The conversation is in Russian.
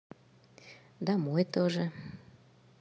домой тоже